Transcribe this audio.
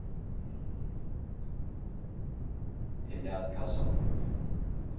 eg læt kassan upp